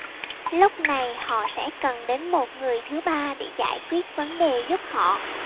lúc này họ sẽ cần đến một người thứ ba để giải quyết vấn đề giúp họ